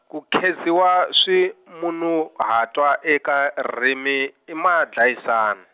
ku khedziwa swimunhuhatwa eka, ririmi, i madlayisani.